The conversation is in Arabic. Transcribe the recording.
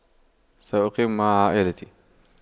سأقيم مع عائلتي